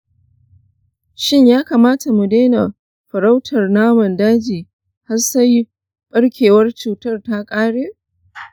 shin ya kamata mu daina farautar naman daji har sai ɓarkewar cutar ta ƙare?